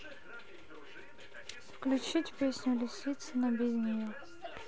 включить песню лисицына без нее